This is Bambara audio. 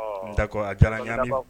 D'accord a diyara an ye